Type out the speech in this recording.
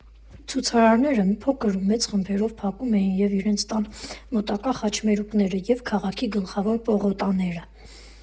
Ցուցարարները փոքր ու մեծ խմբերով փակում էին և իրենց տան մոտակա խաչմերուկները, և քաղաքի գլխավոր պողոտաները։